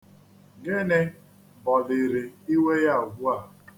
Gịnị bọliri iwe ya ugbu a.